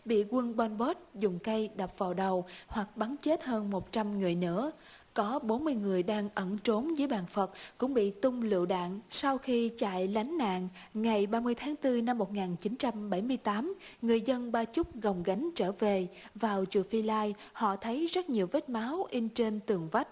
bị quân pon pót dùng cây đập vào đầu hoặc bắn chết hơn một trăm người nữa có bốn mươi người đang ẩn trốn dưới bàn phật cũng bị tung lựu đạn sau khi chạy lánh nạn ngày ba mươi tháng tư năm một ngàn chín trăm bảy mươi tám người dân ba chúc gồng gánh trở về vào chùa phi lai họ thấy rất nhiều vết máu in trên tường vách